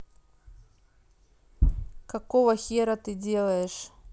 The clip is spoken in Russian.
какого хера ты делаешь